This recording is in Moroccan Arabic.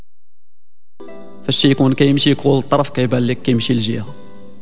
بس يكون كل شيء يقول طرف كيف حالك يمشي